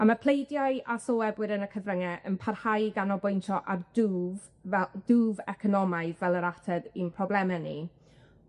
A ma' pleidiau a sylwebwyr yn y cyfrynge yn parhau i ganolbwyntio ar dwf fel dwf economaidd fel yr ateb i'n probleme ni.